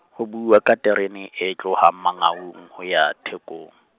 ho buuwa ka terene e tlohang Mangaung, ho ya Thekong.